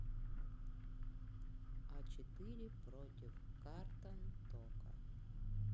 а четыре против картон тока